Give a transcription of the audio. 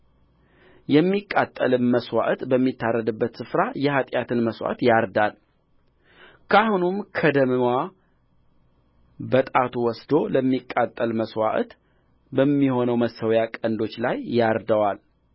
የሚቃጠልም መሥዋዕት በሚታረድበት ስፍራ የኃጢአትን መስዋዕት ያርዳልካህኑም ከደምዋ በጣቱ ወስዶ ለሚቃጠል መሥዋዕት በሚሆነው መሠዊያ ቀንዶች ላይ ያርደዋል